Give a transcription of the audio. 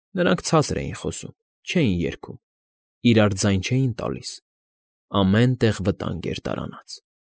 Նրանք ցածր էին խոսում, չէին երգում, իրար ձայն չէին տալիս՝ ամեն տեղ վտանգ էր դարանած։